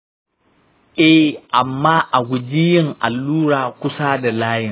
eh, amma a guji yin allura kusa da layin.